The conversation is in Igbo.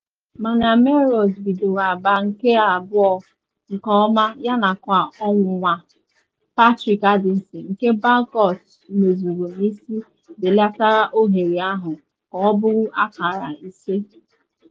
Mana Melrose bidoro agba nke abụọ nke ọma yanakwa ọnwụnwa Patrick Anderson, nke Bagoot mezuru n’isi, belatara oghere ahụ ka ọ bụrụ akara ise.